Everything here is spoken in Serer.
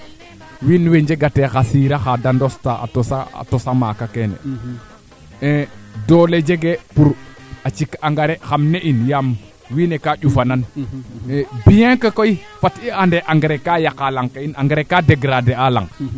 oxu refna o saɓa nga me anda kand ke dena ndefa ande axo jegu gooño to kam leyong mene faak mee wiin we naanga ngooxa pour njega areer it fada soora le aa mala ke ando naye dena ngooxta